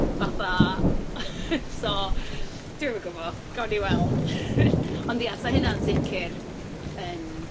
Fatha so, dwi'm yn gwybod, gawn ni weld. Ond ia, 'sa hynna'n sicr yn...